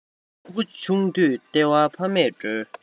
ཕྲུ གུ ཆུང དུས ལྟེ བ ཕ མས སྒྲོལ